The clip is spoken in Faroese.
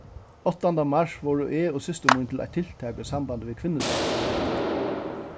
áttanda mars vóru eg og systir mín til eitt tiltak í sambandi við kvinnudagin